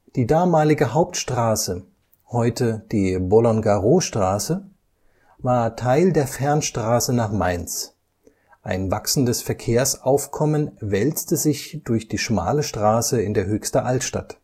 Die damalige Hauptstraße, heute die Bolongarostraße, war Teil der Fernstraße nach Mainz, ein wachsendes Verkehrsaufkommen wälzte sich durch die schmale Straße in der Höchster Altstadt